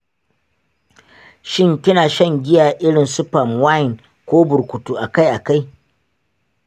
shin kina shan giya irin su palm wine ko burukutu akai-akai?